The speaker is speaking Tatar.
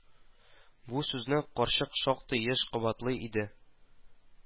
Бу сүзне карчык шактый еш кабатлый иде